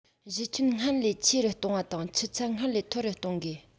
གཞི ཁྱོན སྔར ལས ཆེ རུ གཏོང བ དང ཆུ ཚད སྔར ལས མཐོ རུ གཏོང དགོས